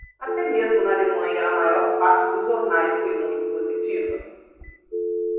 até mesmo na alemanha a maior parte dos jornais foi muito positiva